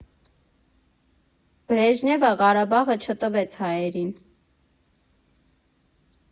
Բրեժնևը Ղարաբաղը չտվեց հայերին։